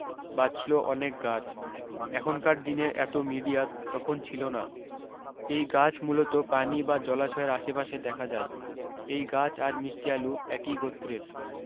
বাঁচলো অনেক গাছ এখনকার দিনের এত মিডিয়া তখন ছিলো না এই গাছ মূলত পানি বা জলাশয়ের আসে পাসে দেখা যায় এই গাছ আর মিষ্টিআলু একি গোত্রের